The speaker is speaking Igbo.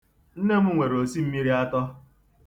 Nne Uju nwere osimmiri atọ.